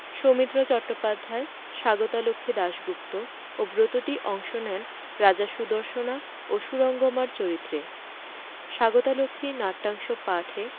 সৌমিত্র চট্টোপাধ্যায় স্বাগতালক্ষ্মী দাশগুপ্ত ও ব্রততী অংশ নেন রাজা সুদর্শনা ও সুরঙ্গমার চরিত্রে স্বাগতালক্ষ্মী নাট্যাংশ পাঠে